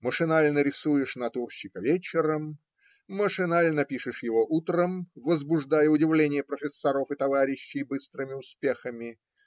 Машинально рисуешь натурщика вечером, машинально пишешь его утром, возбуждая удивление профессоров и товарищей быстрыми успехами.